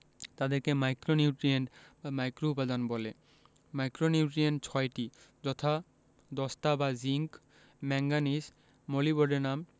তাদেরকে মাইক্রোনিউট্রিয়েন্ট বা মাইক্রোউপাদান বলে মাইক্রোনিউট্রিয়েন্ট ৬টি যথা দস্তা বা জিংক ম্যাংগানিজ মোলিবডেনাম